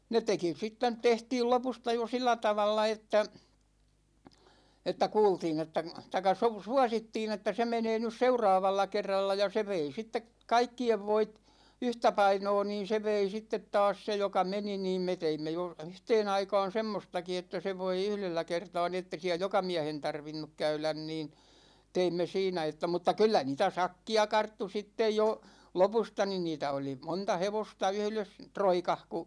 ne teki sitten tänne tehtiin lopusta jo sillä tavalla että että kuultiin että tai - suosittiin että se menee nyt seuraavalla kerralla ja se vei sitten kaikkien voit yhtä painoa niin se vei sitten taas se joka meni niin me teimme jo yhteen aikaan semmoistakin että se voi yhdellä kertaa niin että ei siellä joka miehen tarvinnut käydä niin teimme siinä että mutta kyllä niitä sakkia karttui sitten jo lopusta niin niitä oli monta hevosta yhdessä roikassa kun